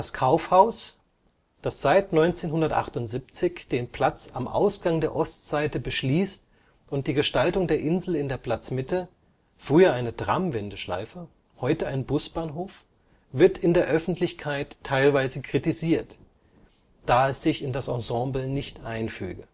Kaufhaus, das seit 1978 den Platz am Ausgang der Ostseite beschließt und die Gestaltung der Insel in der Platzmitte, früher eine Tram-Wendeschleife, heute ein Busbahnhof wird in der Öffentlichkeit teilweise kritisiert, da es sich in das Ensemble nicht einfüge